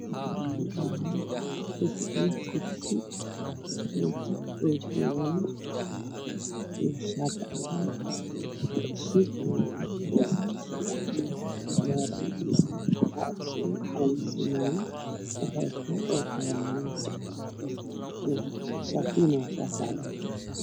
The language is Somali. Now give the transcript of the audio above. Waa nin kufadhiyo kursi oo wato ookiyaalo iyo shaati cadaan ah iyo suud beer ah, waxaa ag suran calanka soomaaliya.